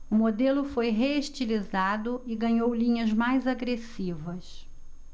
o modelo foi reestilizado e ganhou linhas mais agressivas